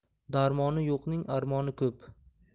darmoni yo'qning armoni ko'p